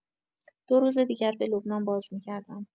دو روز دیگر به لبنان بازمی‌گردم.